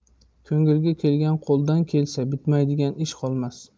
ko'ngilga kelgan qo'ldan kelsa bitmaydigan ish qolmas